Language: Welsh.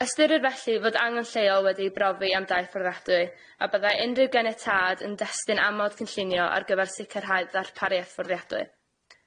Ystyrir felly fod angen lleol wedi'i brofi am dai fforddiadwy, a byddai unrhyw genietâd yn destun amod cynllunio ar gyfer sicrhau'r ddarpariaeth fforddiadwy.